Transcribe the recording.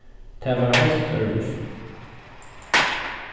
tað var heilt øðrvísi